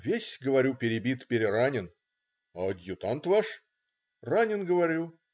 Весь, говорю, перебит, переранен. А адъютант ваш? - ранен, говорю.